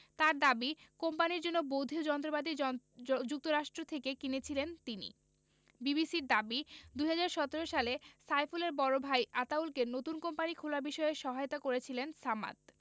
তাঁর দাবি কোম্পানির জন্য বৈধ যন্ত্রপাতি যুক্তরাষ্ট্র থেকে কিনেছিলেন তিনি বিবিসির দাবি ২০১৭ সালে সাইফুলের বড় ভাই আতাউলকে নতুন কোম্পানি খোলার বিষয়ে সহায়তা করেছিলেন সামাদ